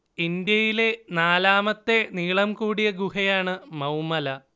ഇന്ത്യയിലെ നാലാമത്തെ നീളം കൂടിയ ഗുഹയാണ് മൌമല